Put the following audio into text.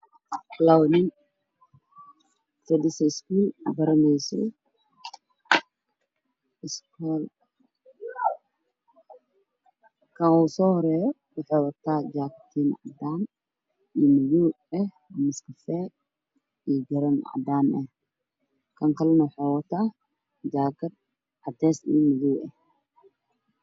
Laba nin oo ardaydii iskuulka wax kubaranay ah kasoo horeeyo wuxu wataa jaakeed cadaan iyo madaw ah iyo garan cadaan ah kankalana wuxu wataa jaded caday ah